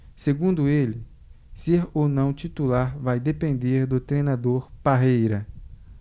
segundo ele ser ou não titular vai depender do treinador parreira